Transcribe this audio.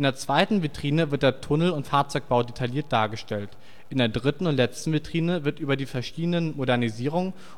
zweiten Vitrine wird der Tunnel - und Fahrzeugbau detailliert dargestellt. In der dritten und letzten Vitrine wird über die verschiedenen Modernisierungen